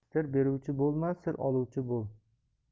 sir beruvchi bo'lma sir oluvchi bo'l